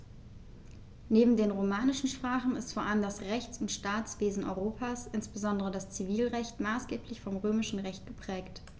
Neben den romanischen Sprachen ist vor allem das Rechts- und Staatswesen Europas, insbesondere das Zivilrecht, maßgeblich vom Römischen Recht geprägt.